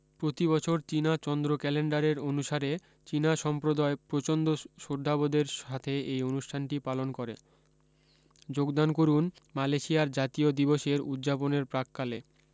প্রতি বছর চীনা চন্দ্র ক্যালেন্ডারের অনুসারে চীনা সম্প্রদায় প্রচণ্ড শ্রদ্ধাবোধের সাথে এই অনুষ্ঠানটি পালন করে যোগদান করুণ মালয়েশিয়ার জাতীয় দিবসের উৎযাপনের প্রাক্কালে